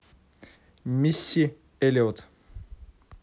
мисси эллиот